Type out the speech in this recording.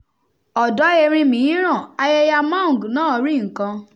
Ọ̀dọ́ erin mìíràn, Ayeyar Maung náà rí nǹkan.